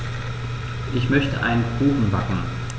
Ich möchte einen Kuchen backen.